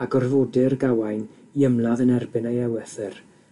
a gorfodir Gawain i ymladd yn erbyn ei ewythyr